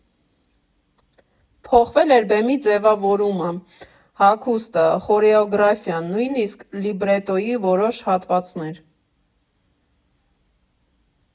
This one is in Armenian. Փոխվել էր բեմի ձևավորումը, հագուստը, խորեոգրաֆիան, նույնիսկ լիբրետոյի որոշ հատվածներ.